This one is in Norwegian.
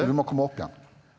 du må komme opp igjen.